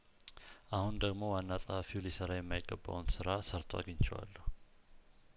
አሁን ደግሞ ዋና ጸሀፊው ሊሰራ የማይገባውን ስራ ሰርቶ አገኘቸዋለሁ